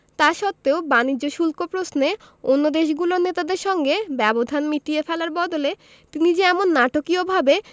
তা সত্ত্বেও বাণিজ্য শুল্ক প্রশ্নে অন্য দেশগুলোর নেতাদের সঙ্গে ব্যবধান মিটিয়ে ফেলার বদলে তিনি যে এমন নাটকীয়ভাবে